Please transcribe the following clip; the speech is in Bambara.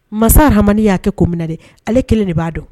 Masa Rahamani y'a kɛ kun minna dɛ, ale kelen de b'a dɔn.